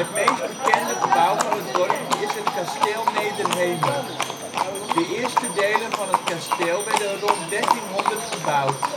meest bekende gebouw van het dorpje is het kasteel Nederhemert. De eerste delen van het kasteel werden rond 1300 gebouwd